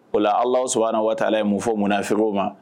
O la Alahu subaha wataala ye mun fɔ munafoigiw ma